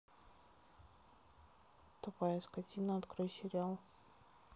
тупая скотина открой сериал